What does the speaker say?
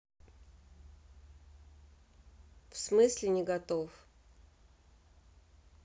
всмысле не готов